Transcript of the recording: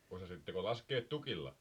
osasitteko laskea tukilla